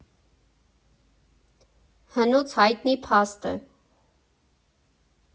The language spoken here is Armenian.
Հնուց հայտնի փաստ է.